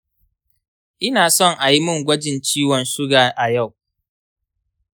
ina son ayi mini gwajin ciwon suga a yau.